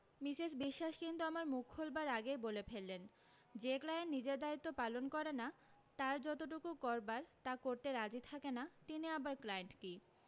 Mrs Biswas কিন্তু আমার মুখ খুলবার আগেই বলে ফেললেন যে ক্লায়েন্ট নিজের দ্বায়িত্ব পালন করে না তার যতটুকু করবার তা করতে রাজি থাকে না তিনি আবার ক্লায়েন্ট কী